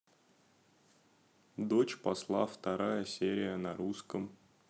дочь посла вторая серия на русском